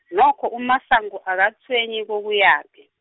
nokho uMasango akatshwenyi kokuyaphi.